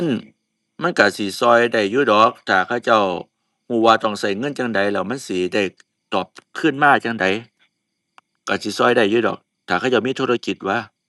อื้อ มันก็สิก็ได้อยู่ดอกถ้าเขาเจ้าก็ว่าต้องก็เงินจั่งใดแล้วมันสิได้ตอบคืนมาจั่งใด ก็สิก็ได้อยู่ดอกถ้าเขาเจ้ามีธุรกิจว้า